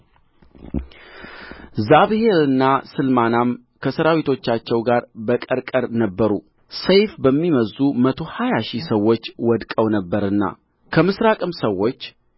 ዛብሄልና ስልማናም ከሠራዊቶቻቸው ጋር በቀርቀር ነበሩ ሰይፍ የሚመዝዙ መቶ ሀያ ሺህ ሰዎች ወድቀው ነበርና ከምሥራቅ ሰዎች